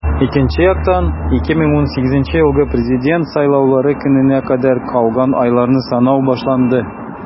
Икенче яктан - 2018 елгы Президент сайлаулары көненә кадәр калган айларны санау башланды.